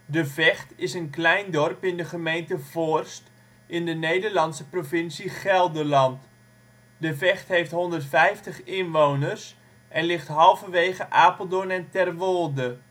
De Vecht is een klein dorp in de gemeente Voorst, Nederlandse provincie Gelderland. De Vecht heeft 150 inwoners en ligt halverwege Apeldoorn en Terwolde